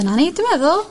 dyna ni dwi meddwl.